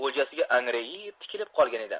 o'ljasiga angrayib tikilib qolgan edi